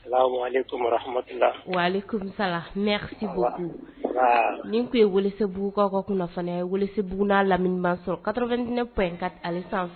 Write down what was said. Kurusa la nin tun ye walisebugu ka kunna fana ye wali bbugudaa lamini sɔrɔ kato2dtinɛp ka ali san